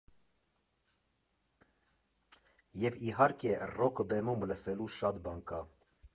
Եվ իհարկե, ռոք բեմում լսելու շատ բան կա.